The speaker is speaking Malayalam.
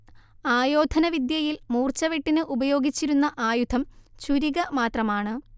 ആയോധനവിദ്യയിൽ മൂർച്ചവെട്ടിന് ഉപയോഗിച്ചിരുന്ന ആയുധം ചുരിക മാത്രമാണ്